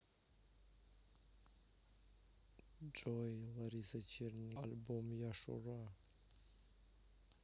джой лариса черникова альбом я шура